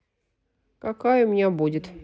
какая у меня будет